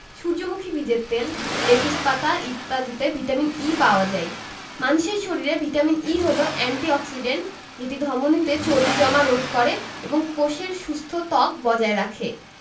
সূর্যমুখী বীজের তেল লেটুস পাতা ইত্যাদিতে ভিটামিন E পাওয়া যায় মানুষের শরীরে ভিটামিন E হলো এন্টি অক্সিডেন্ট যেটি ধমনিতে চর্বি জমা রোধ করে এবং কোষের সুস্থ ত্বক বজায় রাখে